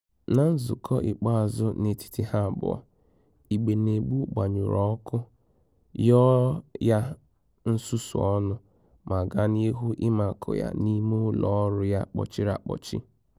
Na nzukọ ikpeazụ n'etiti ha abụọ, Igbenegbu gbanyụrụ ọkụ, yọọ ya nsusu ọnụ ma gaa n'ihu ịmakụ ya n'ime ụlọ ọrụ ya kpọchiri akpọchi.